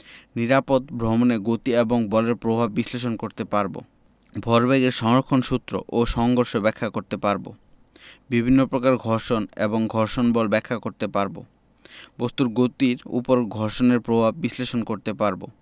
নিরাপদ ভ্রমণে গতি এবং বলের প্রভাব বিশ্লেষণ করতে পারব ভরবেগের সংরক্ষণ সূত্র ও সংঘর্ষ ব্যাখ্যা করতে পারব বিভিন্ন প্রকার ঘর্ষণ এবং ঘর্ষণ বল ব্যাখ্যা করতে পারব বস্তুর গতির উপর ঘর্ষণের প্রভাব বিশ্লেষণ করতে পারব